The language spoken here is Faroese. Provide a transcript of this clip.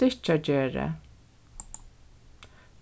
stykkjagerði